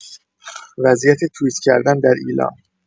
وضعیت توییت کردن در ایلام